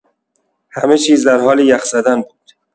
همه‌چیز درحال یخ زدن بود.